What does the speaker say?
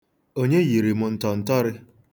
Onye yiri m ntọntọrị?